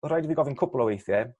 o' raid i fi gofyn cwpwl o weithie